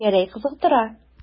Гәрәй кызыктыра.